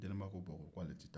deninba ka bɔ ko ko ale tɛ taa